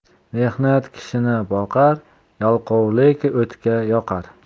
mehnat kishini boqar yalqovlik o'tga yoqar